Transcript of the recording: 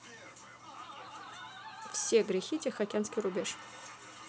все грехи тихоокеанский рубеж